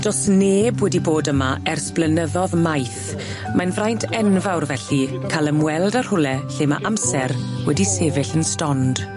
Do's neb wedi bod yma ers blynyddodd maith mae'n fraint enfawr felly ca'l ymweld â rhwle lle ma' amser wedi sefyll yn stond.